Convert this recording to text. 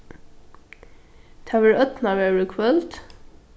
tað verður ódnarveður í kvøld